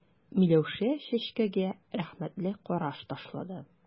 Миләүшә Чәчкәгә рәхмәтле караш ташлады.